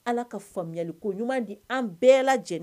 Ala ka faamuyayaliko ɲuman di an bɛɛ lajɛlen